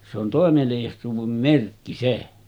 se on toimeliaisuuden merkki se